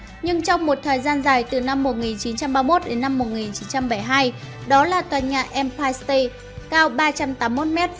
nhưng trong một thời gian dài từ đến đó là tòa nhà empire state cao feet